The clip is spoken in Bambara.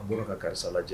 A b ka karisa lajɛ